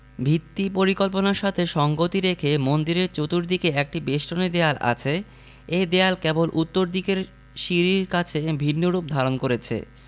ভিত্তি পরিকল্পনার সাথে সঙ্গতি রেখে মন্দিরের চতুর্দিকে একটি বেষ্টনী দেয়াল আছে এ দেয়াল কেবল উত্তর দিকের সিঁড়ির কাছে ভিন্নরূপ ধারণ করেছে